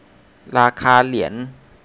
ราคาเหรียญ